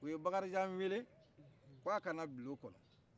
o ye bakarijan wele k'a ka na bulo kɔnɔ